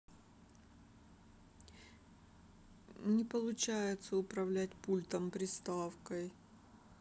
не получается управлять пультом приставкой